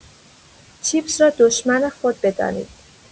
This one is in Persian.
چیپس را دشمن خود بدانید.